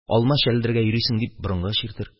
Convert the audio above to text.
Алма чәлдерергә йөрисең, дип, борынга чиртер.